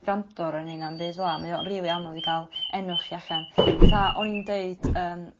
aro ni na'm byd fel 'a mae o rili anodd i ga'l enw chi allan. Fatha o'n i'n deud yym